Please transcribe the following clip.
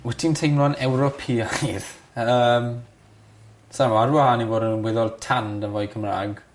W't ti'n teimlo'n Ewropeaidd? Yym. Sai mod ar waân i fod yn weddol tanned efo'i Cymra'g